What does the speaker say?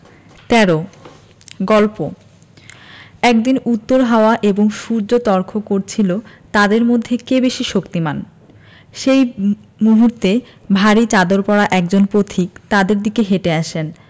১৩ গল্প একদিন উত্তর হাওয়া এবং সূর্য তর্ক করছিল তাদের মধ্যে কে বেশি শক্তিমান সেই মুহূর্তে ভারি চাদর পরা একজন পথিক তাদের দিকে হেটে আসেন